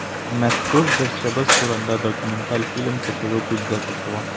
Мәшһүр җырчыбыз турында документаль фильм төшерү күздә тотыла.